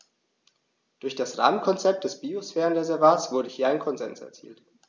Durch das Rahmenkonzept des Biosphärenreservates wurde hier ein Konsens erzielt.